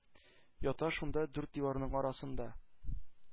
Ята шунда дүрт диварның арасында.